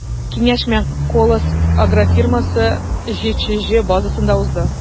Киңәшмә “Колос” агрофирмасы” ҖЧҖ базасында узды.